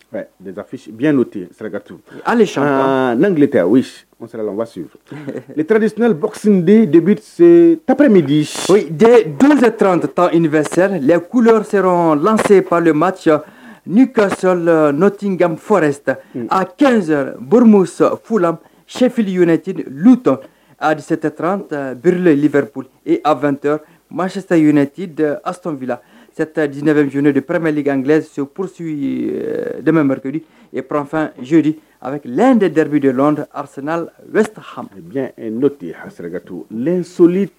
Ali nreslip tan ka la nta a kɛ bere fu la sɛfilitti lu alidsetatranta bereererila lippoli e a2te masitayti da ason7tadinɛye de premelligɛso pursi ye denmisɛnninmekri ye ppzodi a bɛ lɛn de dabi de ladas bɛ no de ye hasregɛ to soli